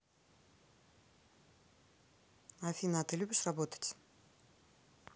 афина а ты любишь работать